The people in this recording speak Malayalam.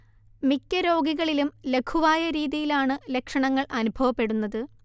മിക്ക രോഗികളിലും ലഘുവായ രീതിയിലാണ് ലക്ഷണങ്ങൾ അനുഭവപ്പെടുന്നത്